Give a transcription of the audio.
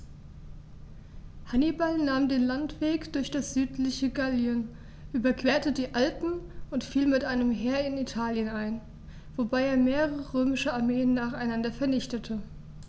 Hannibal nahm den Landweg durch das südliche Gallien, überquerte die Alpen und fiel mit einem Heer in Italien ein, wobei er mehrere römische Armeen nacheinander vernichtete.